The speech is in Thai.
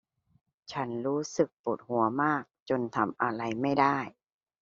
ฉันรู้สึกปวดหัวมากจนทำอะไรไม่ได้